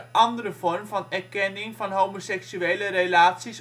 andere vorm van erkenning van homoseksuele relaties